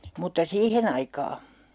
mutta siihen aikaa